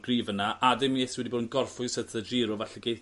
gryf yna a dim wedi bo' 'n gorffwys erth y Giro falle geith